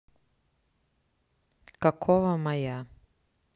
какого моя